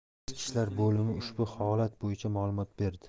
ichki ishlar bolimi ushbu holat bo'yicha ma'lumot berdi